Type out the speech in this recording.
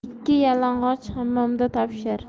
ikki yalang'och hammomda topishar